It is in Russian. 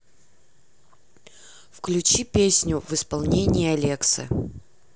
включи песни в исполнении алексы